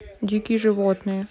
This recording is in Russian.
дикие животные